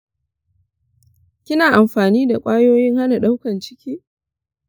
kina amfani da kwayoyin hana daukar ciki?